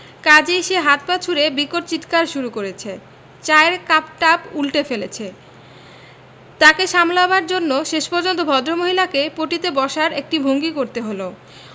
কাজেই সে হাত পা ছুড়ে বিকট চিৎকার শুরু করেছে চায়ের কাপটাপ উন্টে ফেলেছে তাকে সামলাবার জন্যে শেষ পর্যন্ত ভদ্রমহিলাকে পটি তে বসার একটি ভঙ্গি করতে হল